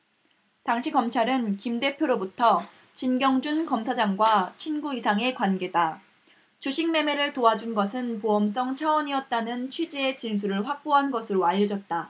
당시 검찰은 김 대표로부터 진경준 검사장과 친구 이상의 관계다 주식 매매를 도와준 것은 보험성 차원이었다는 취지의 진술을 확보한 것으로 알려졌다